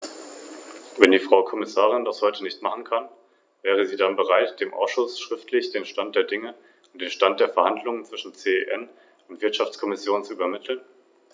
Frau Präsidentin, obwohl ich anerkenne, dass dieser Bericht viele positive Aspekte enthält - und ich befürworte den Anspruch der Menschen mit Behinderung auf Zugang zum Verkehr und zu Entschädigung nachdrücklich -, bin ich der Meinung, dass diese Programme von den nationalen Regierungen auf den Weg gebracht werden sollten.